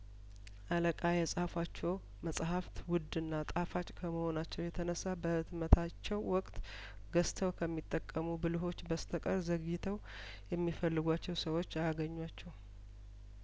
አለቃ የጻፏቸው መጽሀፍት ውድና ጣፋጭ ከመሆ ናቸው የተነሳ በህትመታቸው ወቅት ገዝተው ከሚጠቀሙ ብልህዎች በስተቀር ዘግይተው የሚፈልጓቸው ሰዎች አያገኟቸውም